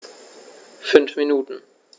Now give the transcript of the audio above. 5 Minuten